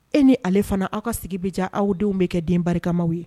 E ni ale fana aw ka sigi bɛja aw denw bɛ kɛ den barikamaw ye